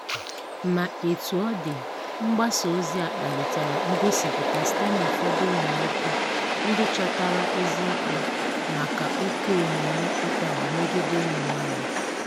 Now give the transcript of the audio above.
Ma etu ọ dị, mgbasa ozi a kpalitere ngosipụta site n'ụfọdụ ụmụ nwoke ndị chọtara ezi ikpe maka oke omume mkpagbu megide ụmụ nwaanyị.